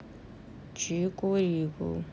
чику рику